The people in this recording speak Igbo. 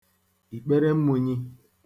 ìkperemmunyī